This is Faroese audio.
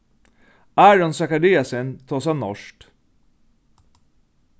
aron zachariasen tosar norskt